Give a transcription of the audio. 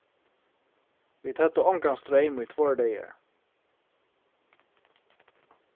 vit høvdu ongan streym í tveir dagar